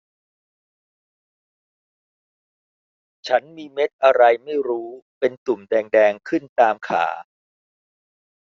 ฉันมีเม็ดอะไรไม่รู้เป็นตุ่มแดงแดงขึ้นตามขา